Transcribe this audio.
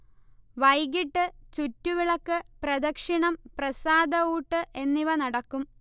വൈകീട്ട് ചുറ്റുവിളക്ക്, പ്രദക്ഷിണം, പ്രസാദഊട്ട് എന്നിവ നടക്കും